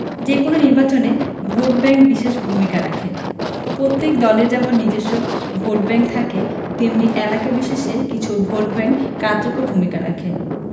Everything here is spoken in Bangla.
যেকোনো নির্বাচনে ভোটব্যাংক বিশেষ ভূমিকা রাখে প্রত্যেক দলের যেমন নিজস্ব ভোটব্যাংক থাকে তেমনি এলাকা বিশেষে কিছু ভোটব্যাংক কার্যকর ভূমিকা রাখে